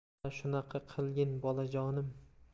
ha shunaqa qilgin bolajonim